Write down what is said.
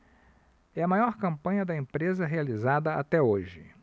é a maior campanha da empresa realizada até hoje